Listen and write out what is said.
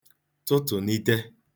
tụtụ̀nite